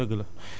dëgg la